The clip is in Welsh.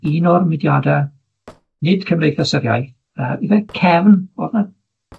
un o'r mudiada, nid Cymdeithas yr Iaith, yy ife, Cefn o'dd 'na